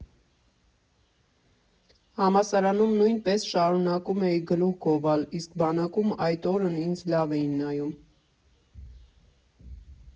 Համալսարանում նույնպես շարունակում էի գլուխ գովալ, իսկ բանակում այդ օրն ինձ լավ էին նայում։